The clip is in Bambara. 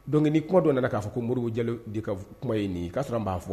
Donc ni kuma dɔ nana k'a fɔ ko Modibo Diallo d de ka f kuma ye nin ye k'a sɔrɔ n b'a fɔ